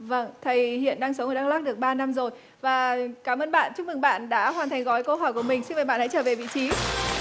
vâng thầy hiện đang sống ở đắc lắc được ba năm rồi và cảm ơn bạn chúc mừng bạn đã hoàn thành gói câu hỏi của mình xin mời bạn hãy trở về vị trí